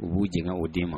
U b'u cɛ o den ma